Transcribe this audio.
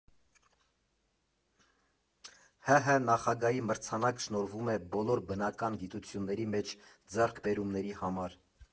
ՀՀ Նախագահի մրցանակ շնորհվում է բոլոր բնական գիտությունների մեջ ձեռքբերումների համար։